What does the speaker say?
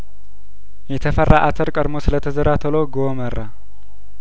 የተፈራ አተር ቀድሞ ስለተዘራ ቶሎ ጐመራ